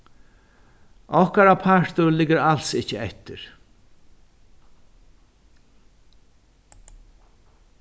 okkara partur liggur als ikki eftir